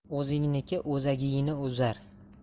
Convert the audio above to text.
o'zingniki o'zagingni uzar